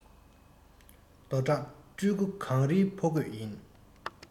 རྡོ བྲག སྤྲུལ སྐུ གངས རིའི ཕོ རྒོད ཡིན